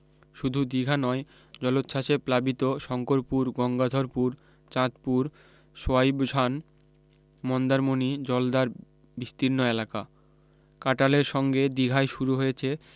শুধু দিঘা নয় জলচ্ছ্বাসে প্লাবিত শঙ্করপুর গঙ্গাধরপুর চাঁদপুর সোয়াইবসান মন্দারমণি জলদার বিস্তিরণ এলাকা কাটালের সঙ্গে দিঘায় শুরু হয়েছে